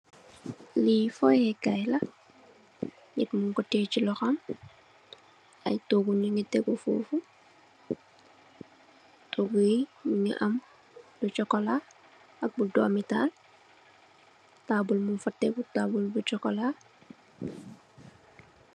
Li fuyèkaay la, nit mung ko tè ci lohom, ay toogu nungi tègu fofu. Toogu yi mungi am lu chokola ak bu doomital, taabul mung fa tégu, taabul bu chokola.